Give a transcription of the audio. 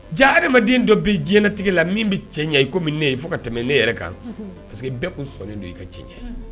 Ja adamadamaden dɔ bɛ diɲɛinɛ tigi la min bɛ cɛn ɲɛ i komi ne ye fo ka tɛmɛ ne yɛrɛ kan pa que bɛɛ ko sɔɔni don i ka tiɲɛ